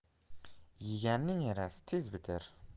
yeganning yarasi tez bitar